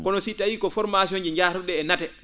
kono si tawii ko formation ji njaadu?e e nate